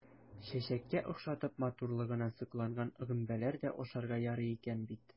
Чәчәккә охшатып, матурлыгына сокланган гөмбәләр дә ашарга ярый икән бит!